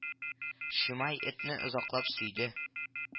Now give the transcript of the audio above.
Шимай этне озаклап сөйде